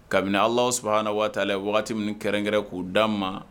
Kabini Allahou Soubhana wa ta Ala ye waati minnu kɛrɛnkɛrɛn k'u d'a ma